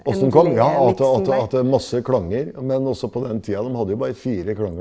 åssen kom ja at at at masse klanger men også på den tida dem hadde jo bare fire klanger.